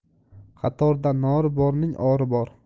qatorda nori borning ori bor